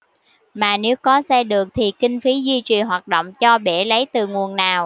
mà nếu có xây được thì kinh phí duy trì hoạt động cho bể lấy từ nguồn nào